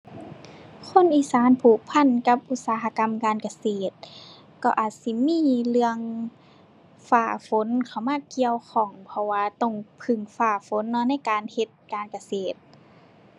คนอีสานผูกพันกับอุตสาหกรรมการเกษตร ก็อาจสิมีเรื่องฟ้าฝนเข้ามาเกี่ยวข้อง เพราะว่าต้องพึ่งฟ้าฝนเนาะในการเฮ็ดการเกษตร